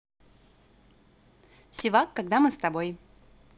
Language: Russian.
sevak когда мы с тобой